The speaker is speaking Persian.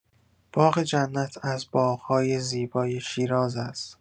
باغ جنت از باغ‌های زیبای شیراز است.